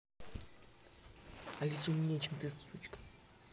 алиса умнее чем ты сучка